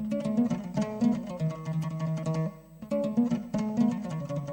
Sanunɛ